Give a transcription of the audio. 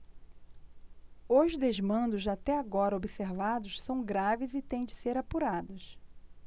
os desmandos até agora observados são graves e têm de ser apurados